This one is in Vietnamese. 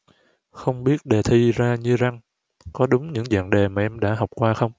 không biết đề thi ra như răng có đúng những dạng đề mà em đã học qua không